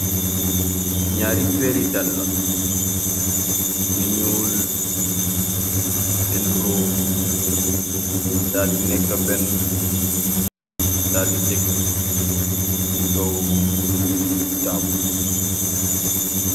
Nyaari peri dalla yu ñuul tenro daa di nekka benn daa di tegu ci kawu taabul.